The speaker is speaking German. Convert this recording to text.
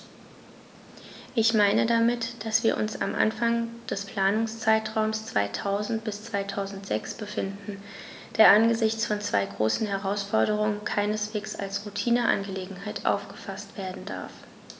Ich meine damit, dass wir uns am Anfang des Planungszeitraums 2000-2006 befinden, der angesichts von zwei großen Herausforderungen keineswegs als Routineangelegenheit aufgefaßt werden darf.